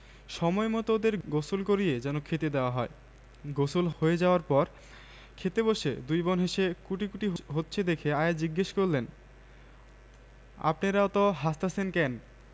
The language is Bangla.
০৮ স্বাগত ভাষণ মাননীয় প্রধান অতিথি সভাপতি চট্টগ্রাম অর্থনীতি সমিতি সম্মানীয় প্রতিনিধিবৃন্দ ভদ্রমহিলা ও ভদ্রমহোদয়গণ